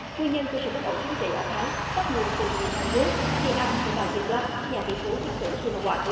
nguyên nhân của sự bất ổn chính trị ở thái bắt nguồn từ nhiều năm trước khi anh của bà dim lắc nhà tỷ phú thắc xỉn xin na goạt